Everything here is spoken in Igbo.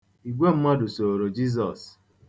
Igwe mmadụ ahụ sooro Jizọs.